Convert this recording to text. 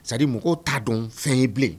Sa mɔgɔw t'a dɔn fɛn ye bilen